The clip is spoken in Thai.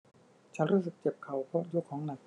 ฉันรู้สึกเจ็บเข่าเพราะยกของหนัก